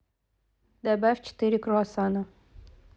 добавь четыре круассана